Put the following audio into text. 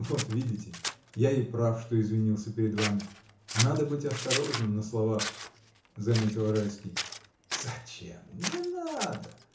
— Вот видите, я и прав, что извинялся перед вами: надо быть осторожным на словах. — заметил Райский. — Зачем? Не надо.